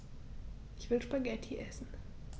Ich will Spaghetti essen.